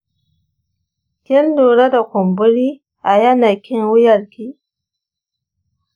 kin lura da kumburi a yanakin wuyanki?